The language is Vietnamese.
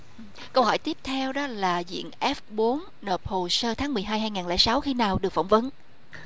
câu hỏi tiếp theo đó là diện ép bốn nộp hồ sơ tháng mười hai hai ngàn lẻ sáu khi nào được phỏng vấn